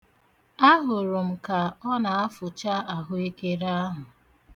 Ahụrụ ka ọ na-afụcha ahuekere ahụ.